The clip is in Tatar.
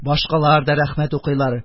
Башкалар да рәхмәт укыйлар,